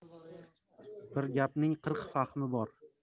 bir gapning qirq fahmi bor